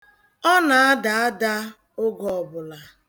Ọ na-ada ada oge ọbụla.